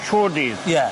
Trw'r dydd. Ie.